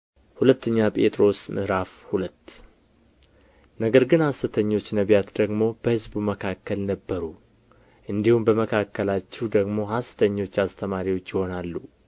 ሁለተኛ ጴጥሮስ ምዕራፍ ሁለት ነገር ግን ሐሰተኞች ነቢያት ደግሞ በሕዝቡ መካከል ነበሩ እንዲሁም በመካከላችሁ ደግሞ ሐሰተኞች አስተማሪዎች ይሆናሉ